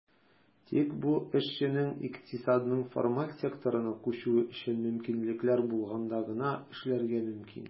Тик бу эшченең икътисадның формаль секторына күчүе өчен мөмкинлекләр булганда гына эшләргә мөмкин.